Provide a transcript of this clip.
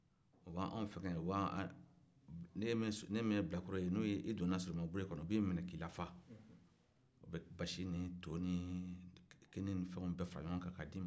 u b'an fɛngɛ e min ye bilakoro ye ni donna solomaw ka bure kɔnɔ u b'i minɛ k'i lafa u be basi ni to ni kini ni fɛnw bɛɛ fara ɲɔgɔn kan k'a di ma